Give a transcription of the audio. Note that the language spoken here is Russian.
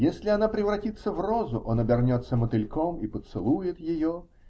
Если она превратится в розу, он обернется мотыльком и поцелует ее.